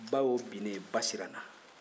ba y'o binnen ye ba siranna